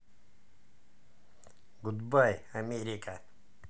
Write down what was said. гудбай америка